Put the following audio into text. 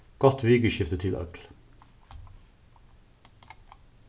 gott vikuskifti til øll